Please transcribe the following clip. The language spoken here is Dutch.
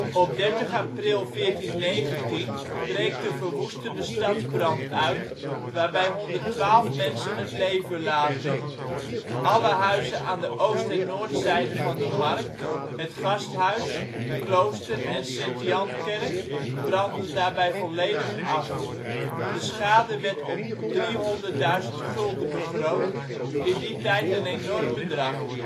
Op 30 april 1419 breekt een verwoestende stadsbrand uit, waarbij 112 mensen het leven laten. Alle huizen aan de oost - een noordzijde van de markt, het gasthuis, klooster en Sint Jankerk branden daarbij volledig af. De schade werd op 300.000 gulden begroot, in die tijd een enorm bedrag